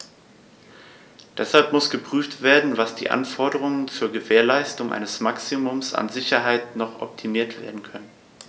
Deshalb muss geprüft werden, wie die Anforderungen zur Gewährleistung eines Maximums an Sicherheit noch optimiert werden können.